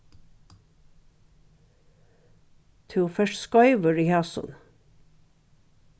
tú fert skeivur í hasum